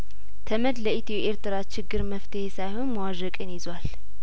ተመድ ለኢትዮ ኤርትራ ችግር መፍትሄ ሳይሆን መዋዠቅን ይዟል